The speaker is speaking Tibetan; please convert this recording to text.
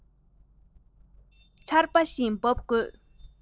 ཆར པ བཞིན འབབ དགོས